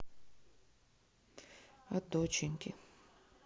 от доченьки